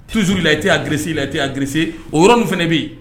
Suru la i tɛ a gi la tɛya gri o yɔrɔ min fana bɛ yen